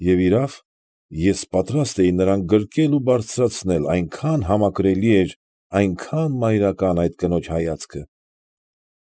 Եվ, իրավ, ես պատրաստ էի նրան գրկել ու բարձրացնել, այնքան համակրելի էր, այնքան մայրական այդ կնոջ հայացքը։ ֊